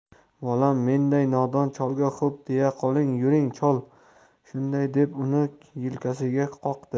bolam menday nodon cholga xo'p deya qoling yuring chol shunday deb uni yelkasiga qoqdi